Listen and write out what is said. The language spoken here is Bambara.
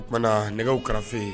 O tumaumana nɛgɛ karafe yen